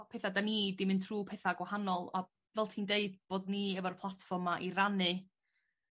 popeth ydan ni 'di myn' trw petha gwahanol a fel ti'n deud bod ni efo'r platffom 'ma i rannu